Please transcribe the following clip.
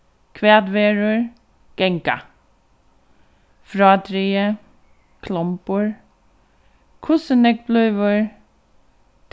hvat verður ganga frádrigið klombur hvussu nógv blívur